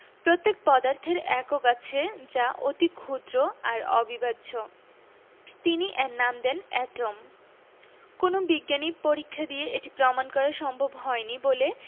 প্রত্যেক পদার্থের একক আছে যা অতি ক্ষুদ্র আর অবিভাজ্য তিনি এর নাম দেন এটম কোনো বিজ্ঞানি পরীক্ষা দিয়ে এটি প্রমাণ করা সম্ভব হয়নি বলে